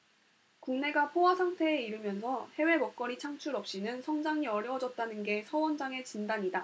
국내가 포화상태에 이르면서 해외 먹거리 창출 없이는 성장이 어려워졌다는 게 서 원장의 진단이다